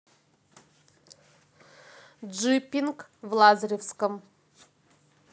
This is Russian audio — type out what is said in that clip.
джиппинг в лазаревском